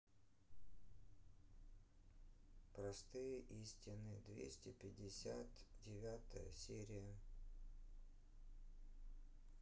простые истины двести пятьдесят девятая серия